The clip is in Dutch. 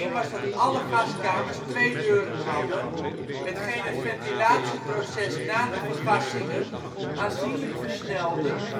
was dat alle gaskamers twee deuren hadden, hetgeen het ventilatieproces na de vergassingen aanzienlijk versnelde